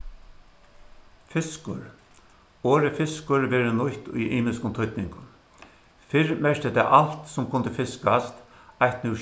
fiskur orðið fiskur verður nýtt í ymiskum týdningum fyrr merkti tað alt sum kundi fiskast eitt nú